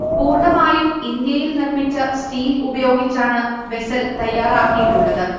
പൂർണ്ണമായും ഇന്ത്യയിൽ നിർമ്മിച്ച സ്റ്റീൽ ഉപയോഗിച്ചാണ് വെസൽ തയ്യാറാക്കിയിട്ടുള്ളത്